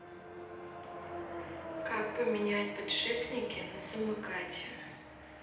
как поменять подшипники на самокате